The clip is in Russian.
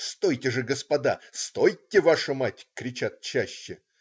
"Стойте же, господа!", "стойте. вашу мать!" - кричат чаще.